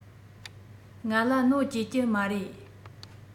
ང ལ གནོད སྐྱེལ གྱི མ རེད